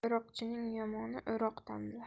o'roqchining yomoni o'roq tanlar